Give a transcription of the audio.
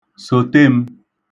Sote m.